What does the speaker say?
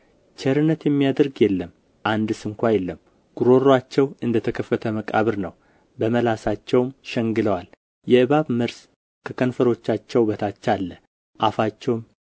ቸርነት የሚያደርግ የለም አንድ ስንኳ የለም ጕሮሮአቸው እንደ ተከፈተ መቃብር ነው በመላሳቸውም ሸንግለዋል የእባብ መርዝ ከከንፈሮቻቸው በታች አለ አፋቸውም